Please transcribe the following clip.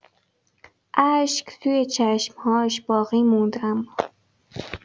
اشک توی چشم‌هاش باقی موند اما.